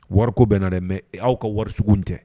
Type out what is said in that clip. Wari ko bɛ na mɛ aw ka wari sugu tɛ